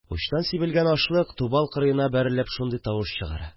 Учтан сибелгән ашлык тубал кырыена бәрелеп шундый тавыш чыгара